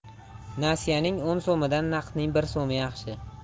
nasiyaning o'n so'midan naqdning bir so'mi yaxshi